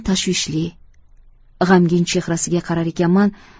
tashvishli g'amgin chehrasiga qarar ekanman